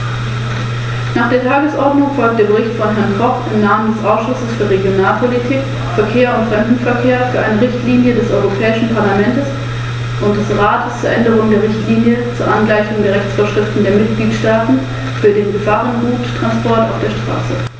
Alle Beiträge des parlamentarischen Ausschusses und des Berichterstatters, Herrn Koch, die in verschiedenen, konkret in vier, Änderungsanträgen zum Ausdruck kommen, werden von der Kommission aufgegriffen.